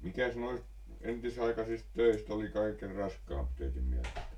mikäs noista entisaikaisista töistä oli kaiken raskaampi teidän mielestä